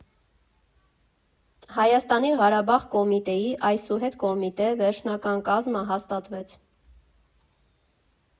Հայաստանի Ղարաբաղ կոմիտեի (այսուհետ՝ Կոմիտե) վերջնական կազմը հաստատվեց։